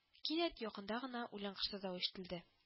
Кинәт якында гына үлән кыштырдавы ишетелде